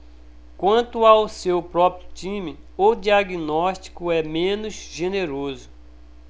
quanto ao seu próprio time o diagnóstico é menos generoso